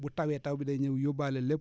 bu tawee taw bi day ñëw yóbbaale lépp